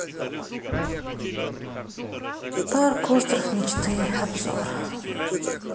парк остров мечты обзор